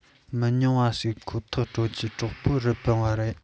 མི ཉུང བ ཞིག ཁོ ཐག སྤྲད ཀྱི གྲོགས པོ རི པིན པ རེད